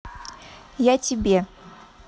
я тебе